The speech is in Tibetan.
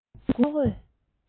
སྒེའུ ཁུང གི གློག འོད